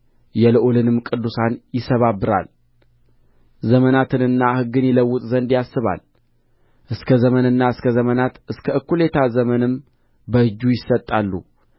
የልዑልንም ቅዱሳን ይሰባብራል ዘመናትንና ሕግን ይለውጥ ዘንድ ያስባል እስከ ዘመንና እስከ ዘመናት እስከ እኵሌታ ዘመንም በእጁ ይሰጣሉ